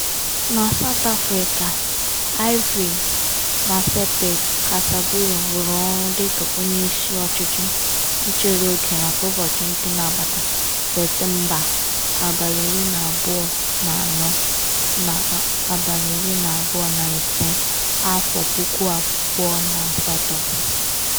Na South Afrịka, Ivy Matsepe-Cassaburi rụrụ ọrụ dịka onyeisi ọchịchị nchere oge maka ụbọchị dị n'agbata Septemba 24 na 25, 2008.